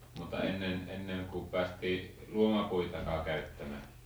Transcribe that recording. mutta ennen ennen kuin päästiin luomapuitakaan käyttämään